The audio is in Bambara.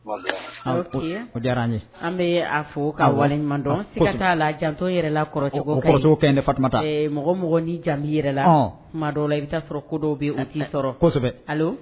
An bɛ a fɔ t'a la janto yɛrɛ mɔgɔ mɔgɔ ni jamu yɛrɛ la la i bɛa ko